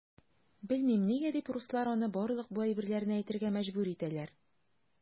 Белмим, нигә дип руслар аны барлык бу әйберләрне әйтергә мәҗбүр итәләр.